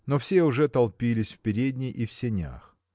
Но все уже толпились в передней и в сенях.